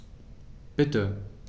Bitte.